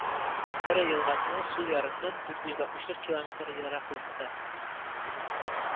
Сыры елгасының сул ярыннан дүрт йөз алтмыш дүрт километр ераклыкта